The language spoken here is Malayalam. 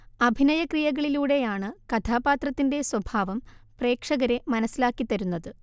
അഭിനയ ക്രിയകളിലൂടെയാണ് കഥാപാത്രത്തിന്റെ സ്വഭാവം പ്രേക്ഷകരെ മനസ്സിലാക്കിതരുന്നത്